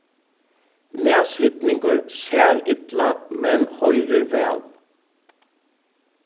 nashyrningur sær illa men hoyrir væl